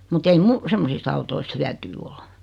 mutta ei minun semmoisista autoista hyötyä ole